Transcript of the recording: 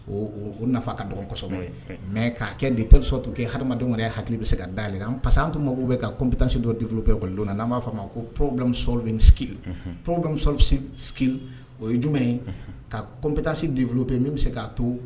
O nafa ka dɔgɔ kɔsɔnsɔ mɛ'a kɛ de te sɔn tun kɛ adamadenw wɛrɛ ye hakili bɛ se ka da la pa que an tun mako bɛ ka koptansi dɔ difioro pe o na n'an b'a fɔ ma ko porobɛ pbɛ o ye jumɛn ye ka koptasi difitu peye min bɛ se ka'a to